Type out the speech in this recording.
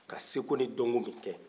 ka seko ni dɔnko min kɛ